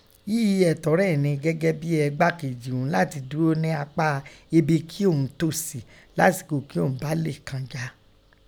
Í i ẹ̀tọ́ rẹ̀ nẹ gẹ́gẹ́ bi ẹgbákejì òun látin dúro nẹ́ apá inbi kí òun tœ sí lásìkò kí i òun bá Lékan jà.